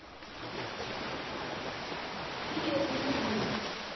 билет не люблю